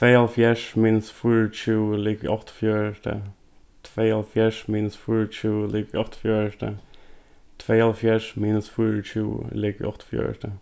tveyoghálvfjerðs minus fýraogtjúgu er ligvið áttaogfjøruti tveyoghálvfjerðs minus fýraogtjúgu ligvið áttaogfjøruti tveyoghálvfjerðs minus fýraogtjúgu er ligvið áttaogfjøruti